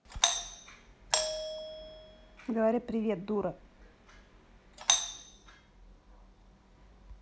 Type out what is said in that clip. говори привет дура